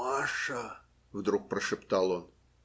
- Маша, - вдруг прошептал он.